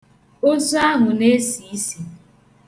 Ozu ahụ na-esi isi.